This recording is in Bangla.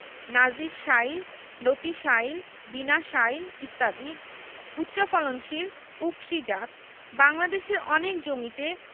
নাজির শাইল লতিশাইল বিনাশাইল ইত্যাদি উচ্চফলনশীল উফশী জাতঃ বাংলাদেশের অনেক জমিতে